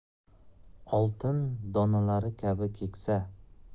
oltin donalari kabi keksa